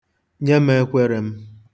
Nye m ekwere m.